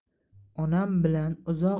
onam bilan uzoq